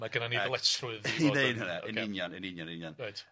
Mae gynnon ni ddyletswydd i fod yn... I neud hynna. Ocê. Yn union yn union union. Reit.